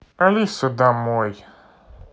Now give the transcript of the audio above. алиса домой